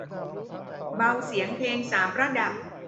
เบาเสียงเพลงสามระดับ